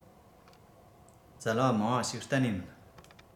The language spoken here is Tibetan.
བཙལ བ མང བ ཞིག གཏན ནས མིན